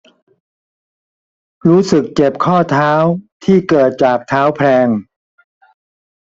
รู้สึกเจ็บข้อเท้าที่เกิดจากเท้าแพลง